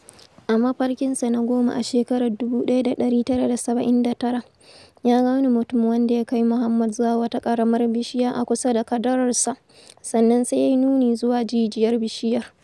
A mafarkinsa na goma a shekarar 1979, ya ga wani mutum wanda ya kai Mohammad zuwa wata ƙaramar bishiya a kusa da kadararsa, sannan sai ya yi nuni zuwa jijiyar bishiyar.